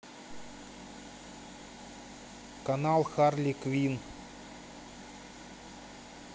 канал харли квин